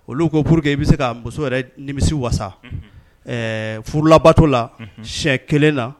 Olu ko porourke i bɛ se ka muso yɛrɛ nimi walasa furulabato la sɛ kelen na